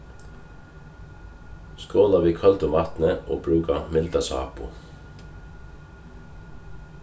skola við køldum vatni og brúka milda sápu